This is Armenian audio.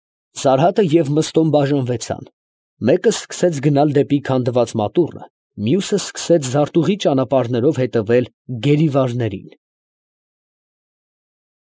Սարհատը և Մըստոն բաժանվեցան, մեկը սկսեց գնալ դեպի քանդված մատուռը, մյուսը սկսեց զարտուղի ճանապարհներով հետևել գերիվարներին։